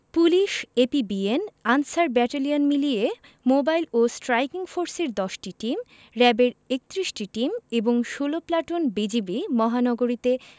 police APBN Ansar battalion মিলিয়ে mobile ও striking ফোর্সের ১০টি টিম র ্যাবের ৩১টি টিম এবং ১৬ প্লাটুন বিজিবি মহানগরীতে